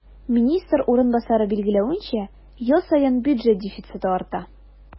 Министр урынбасары билгеләвенчә, ел саен бюджет дефициты арта.